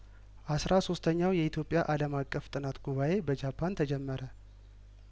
አስራ ሶስተኛው የኢትዮጵያ አለም አቀፍ ጥናት ጉባኤ በጃፓን ተጀመረ